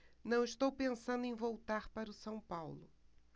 não estou pensando em voltar para o são paulo